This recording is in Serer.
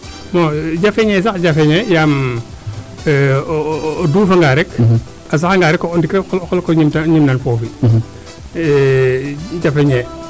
jafeñee sax jafeñee yaam o duufa nga rek a saxa nga rek o ndik o xolko gnim nan foofi jafeñee